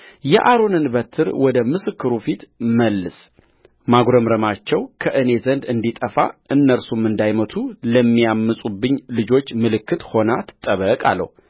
የአሮንን በትር ወደ ምስክሩ ፊት መልስ ማጕረምረማቸው ከእኔ ዘንድ እንዲጠፋ እነርሱም እንዳይሞቱ ለሚያምፁብኝ ልጆች ምልክት ሆና ትጠበቅ አለው